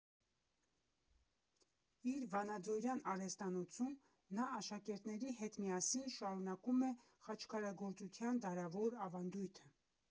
Իր վանաձորյան արհեստանոցում նա աշակերտների հետ միասին շարունակում է խաչքարագործության դարավոր ավանդույթը։